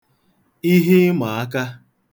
ihe ịmàaka